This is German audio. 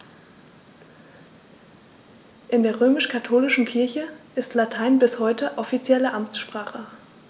In der römisch-katholischen Kirche ist Latein bis heute offizielle Amtssprache.